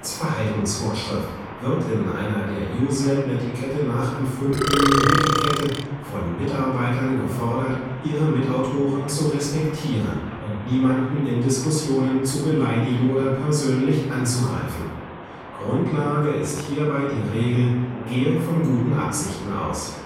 Verhaltensvorschrift wird in einer der Usenet-Netiquette nachempfundenen Wikiquette von Mitarbeitern gefordert, ihre Mitautoren zu respektieren und niemanden in Diskussionen zu beleidigen oder persönlich anzugreifen. Grundlage ist hierbei die Regel „ Gehe von guten Absichten aus